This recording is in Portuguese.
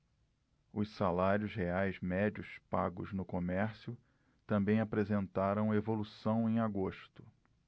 os salários reais médios pagos no comércio também apresentaram evolução em agosto